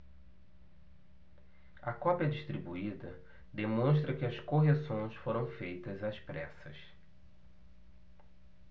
a cópia distribuída demonstra que as correções foram feitas às pressas